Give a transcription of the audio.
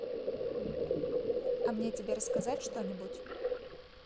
а мне тебе рассказать что нибудь